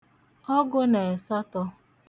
ọgụ̄ nà ẹ̀satọ̄